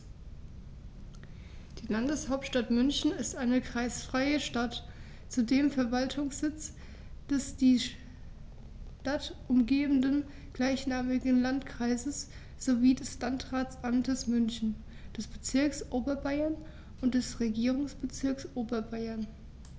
Die Landeshauptstadt München ist eine kreisfreie Stadt, zudem Verwaltungssitz des die Stadt umgebenden gleichnamigen Landkreises sowie des Landratsamtes München, des Bezirks Oberbayern und des Regierungsbezirks Oberbayern.